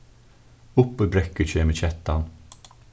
upp í brekku kemur kettan